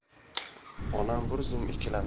onam bir zum ikkilanib